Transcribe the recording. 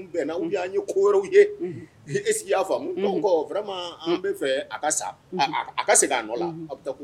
Fɛ sa a ka segin